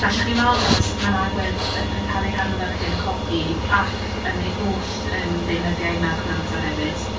Gallwch chi weld yma sut mae'r agwedd yn yn cael ei hadlewyrchu yn y copi, ac yn ei holl yym ddeunyddiau merchnata hefyd.